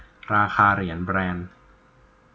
ราคาเหรียญแบรนด์